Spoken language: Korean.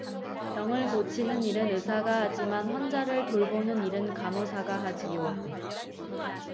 병을 고치는 일은 의사가 하지만 환자를 돌보는 일은 간호사가 하지요